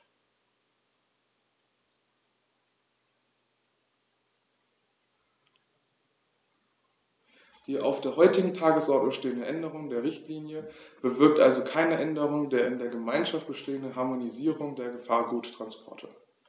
Die auf der heutigen Tagesordnung stehende Änderung der Richtlinie bewirkt also keine Änderung der in der Gemeinschaft bestehenden Harmonisierung der Gefahrguttransporte.